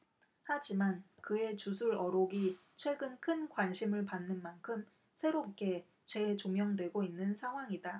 하지만 그의 주술 어록이 최근 큰 관심을 받는 만큼 새롭게 재조명되고 있는 상황이다